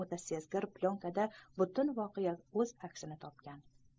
o'ta sezgir plyonkada butun voqea o'z aksini topgan